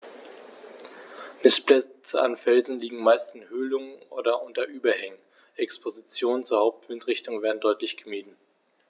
Nistplätze an Felsen liegen meist in Höhlungen oder unter Überhängen, Expositionen zur Hauptwindrichtung werden deutlich gemieden.